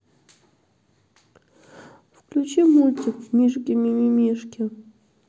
включить мультики мишки мимимишки